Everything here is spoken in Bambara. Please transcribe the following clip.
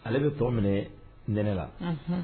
Ale bɛ tɔn minɛ nɛnɛ la, unhun.